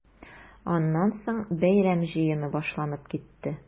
Аннан соң бәйрәм җыены башланып китте.